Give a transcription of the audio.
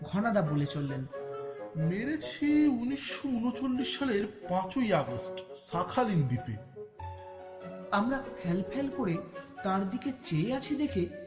মেরেছি ১৯৩৯ সালের ৫ ই আগস্ট শাখালিন দ্বীপে আমরা ফ্যালফ্যাল করে তার দিকে চেয়ে আছি দেখে